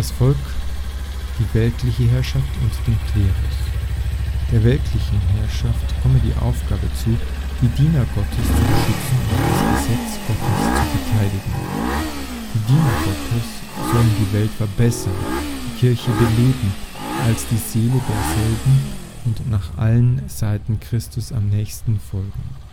Volk, die weltliche Herrschaft und den Klerus. Der weltlichen Herrschaft komme die Aufgabe zu, die Diener Gottes zu beschützen und das Gesetz Gottes zu verteidigen. Die Diener Gottes sollen „ die Welt verbessern, die Kirche beleben als die Seele derselben und nach allen Seiten Christus am nächsten folgen